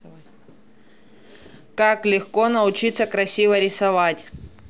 как легко научиться красиво рисовать